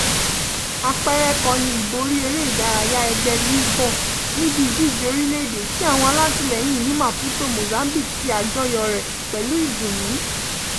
Àpẹẹrẹ kan ni ìborí Eré ìdárayá ẹgbẹ́ Lisbon níbi ìdíje orílẹ̀-èdè, tí àwọn alátìlẹyìn ní Maputo (Mozambique) ṣe àjọyọ̀ rẹ̀ pẹ̀lú ìdùnnú.